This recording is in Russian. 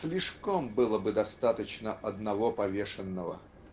слишком было бы достаточно одного повешенного.